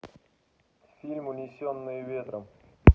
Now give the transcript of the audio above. фильм унесенные ветром